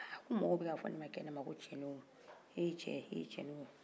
ah ko mɔgɔw bɛ ka fɔ ne ma kɛnɛma ko cɛnin o eh cɛ eh cɛnin o